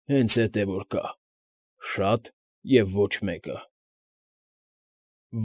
Հենց էդ է որ կա՝ շատ և ոչ մեկը։